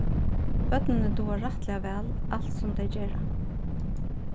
børnini duga rættiliga væl alt sum tey gera